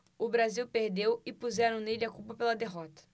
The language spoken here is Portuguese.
o brasil perdeu e puseram nele a culpa pela derrota